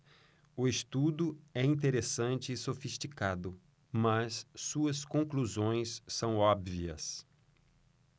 o estudo é interessante e sofisticado mas suas conclusões são óbvias